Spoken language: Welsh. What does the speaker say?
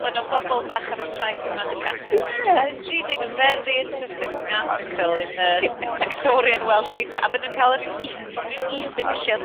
...bo' 'na bobl bach ar y traeth ym Madagascar... Ie. ...I was reading a very interesting article in a... ... Victorian Welsh paper. A fy' nw'n ca'l y ryw i-, ryw is-ddiwylliant